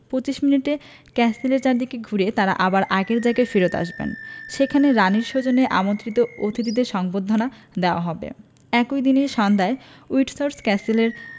২৫ মিনিটে ক্যাসেলের চারদিক ঘুরে তাঁরা আবার আগের জায়গায় ফেরত আসবেন সেখানে রানির সৌজন্যে আমন্ত্রিত অতিথিদের সংবর্ধনা দেওয়া হবে একই দিন সন্ধ্যায় উইন্ডসর ক্যাসেলের